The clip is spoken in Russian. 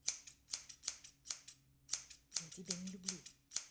я тебя не люблю